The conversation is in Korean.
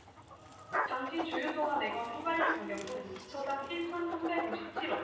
당시 주유소가 내건 휘발유 가격은 리터당 일 천 삼백 오십 칠 원